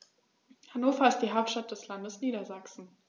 Hannover ist die Hauptstadt des Landes Niedersachsen.